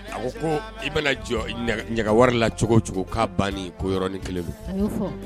A ko ko i bɛna jɔ ɲagawa la cogo cogo k'a ban koɔrɔn ni kelen don